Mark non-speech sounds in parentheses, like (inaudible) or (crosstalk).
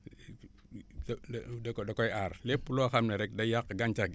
(hesitation) da da da ko da koy aar léép loo xam ne rekk day yàq gàncax gi